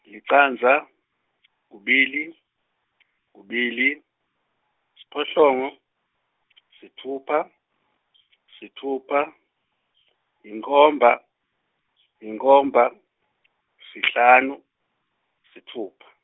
licandza, kubili, kubili, siphohlongo , sitfupha, sitfupha, inkhomba, inkhomba, sihlanu, sitfupha.